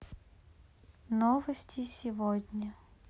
новости сегодня